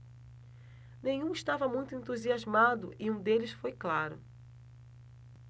nenhum estava muito entusiasmado e um deles foi claro